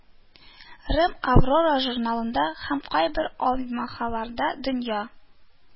Рем «аврора» журналында һәм кайбер альманахларда дөнья